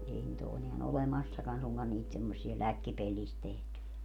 ei niitä ole enää olemassakaan suinkaan niitä semmoisia läkkipellistä tehtyjä